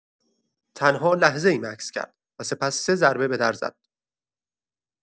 تنها لحظه‌ای مکث کرد و سپس سه ضربه به در زد.